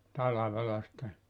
talvella sitten